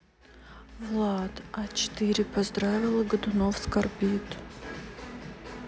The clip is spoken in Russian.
влад а четыре поздравила годунов скорбит